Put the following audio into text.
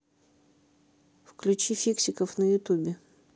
включи фиксиков на ютубе